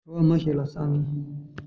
བྲོ བ མི ཞིག གིས ཟ ངེས